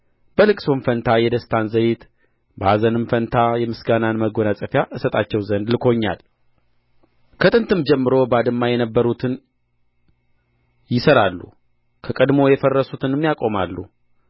በልቅሶም ፋንታ የደስታን ዘይት በኀዘንም መንፈስ ፋንታ የምስጋናን መጐናጸፊያ እሰጣቸው ዘንድ ልኮኛል ከጥንትም ጀምሮ ባድማ የነበሩትን ይሠራሉ ከቀድሞ የፈረሱትንም ያቆማሉ